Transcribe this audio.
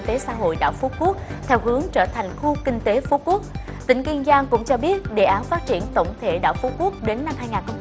tế xã hội đảo phú quốc theo hướng trở thành khu kinh tế phú quốc tỉnh kiên giang cũng cho biết đề án phát triển tổng thể đảo phú quốc đến năm hai ngàn không